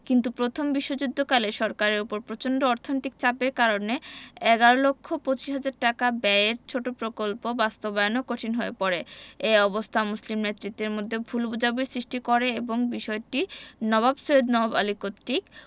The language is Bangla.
কিন্তু প্রথম বিশ্বযুদ্ধকালে সরকারের ওপর প্রচন্ড অর্থনৈতিক চাপের কারণে এগারো লক্ষ পচিশ হাজার টাকা ব্যয়ের ছোট প্রকল্প বাস্তবায়নও কঠিন হয়ে পড়ে এ অবস্থা মুসলিম নেতৃত্বের মধ্যে ভুল বোঝাবুঝির সৃষ্টি করে এবং বিষয়টি নবাব সৈয়দ নওয়াব আলী কর্তৃক